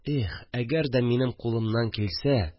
Эх, әгәр дә минем кулымнан килсә...